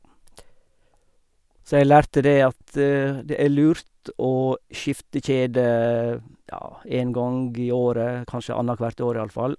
Så jeg lærte det at det er lurt å skifte kjede, ja, en gang i året, kanskje annethvert år i alle fall.